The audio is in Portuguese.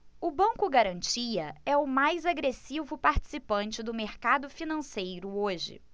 o banco garantia é o mais agressivo participante do mercado financeiro hoje